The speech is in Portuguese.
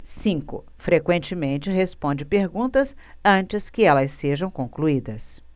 cinco frequentemente responde perguntas antes que elas sejam concluídas